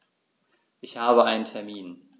Ich habe einen Termin.